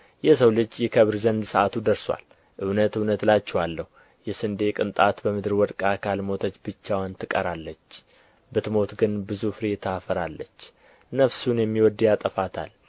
የሰው ልጅ ይከብር ዘንድ ሰዓቱ ደርሶአል እውነት እውነት እላችኋለሁ የስንዴ ቅንጣት በምድር ወድቃ ካልሞተች ብቻዋን ትቀራለች ብትሞት ግን ብዙ ፍሬ ታፈራለች ነፍሱን የሚወድ ያጠፋታል